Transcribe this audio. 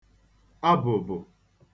abụ̀bụ̀